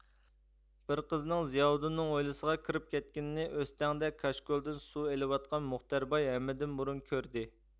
بىر قىزنىڭ زىياۋۇدۇنىڭ ھويلىسىغا كىرىپ كەتكىنىنى ئۆستەڭدە كاچكۇلدىن سۇ ئېلۋاتقان مۇختەر باي ھەممىدىن بۇرۇن كۆردى